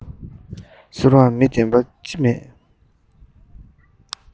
ཟེར བ མི བདེན པ ཅི མེད